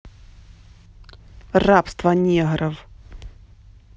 рабство негров